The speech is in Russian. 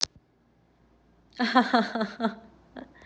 хахахаха